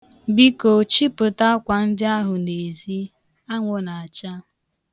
Biko chịpụta akwa ndị ahụ n'ezi. Anwụ na-acha.